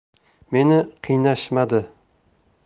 meni qiynashmadi